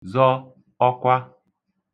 zọ ọkwa